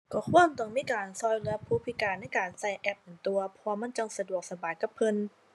ก็ควรต้องมีการก็เหลือผู้พิการในการก็แอปนั่นตั่ว เพราะว่ามันจั่งสะดวกสบายกับเพิ่น